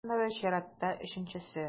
Аннары чиратта - өченчесе.